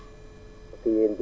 waaw